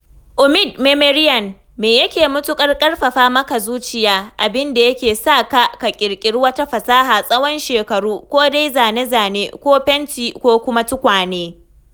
Omid Memarian: Me yake matuƙar ƙarfafa maka zuciya, abin da yake saka ka, ka ƙiriƙiri wata fasaha tsawon shekaru, ko dai zane-zane ko fenti ko kuma tukwane?